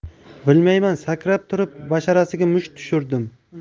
bilmayman sakrab turib basharasiga musht tushirdim